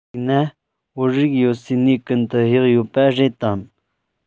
དེ ན བོད རིགས ཡོད སའི གནས ཀུན ཏུ གཡག ཡོད པ རེད དམ